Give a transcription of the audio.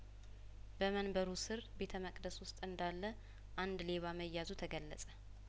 በመንበሩ ስር ቤተ መቅደስ ውስጥ እንዳለአንድ ሌባ መያዙ ተገለጸ